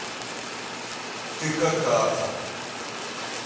ты какаха